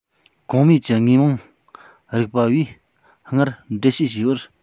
གོང སྨྲས ཀྱི དངོས མང རིག པ བས སྔར འགྲེལ བཤད བྱས པར